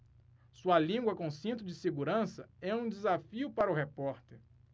sua língua com cinto de segurança é um desafio para o repórter